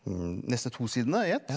neste to sidene i ett.